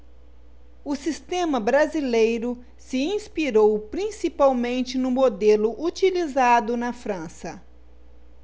o sistema brasileiro se inspirou principalmente no modelo utilizado na frança